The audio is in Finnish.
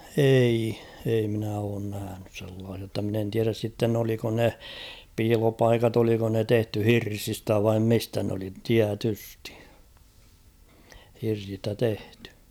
ei ei minä ole nähnyt sellaisia jotta minä en tiedä sitten oliko ne piilopaikat oliko ne tehty hirsistä vain mistä ne oli tietysti hirsistä tehty